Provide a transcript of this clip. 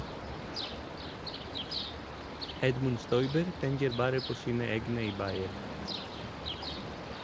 Edmund Stoiber tenker bare på sine egne i Bayern.